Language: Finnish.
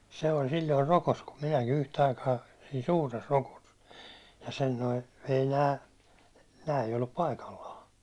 se oli silloin rokossa kun minäkin yhtä aikaa siinä suuressa rokossa ja sen nuo ei nämä nämä ei ollut paikallaan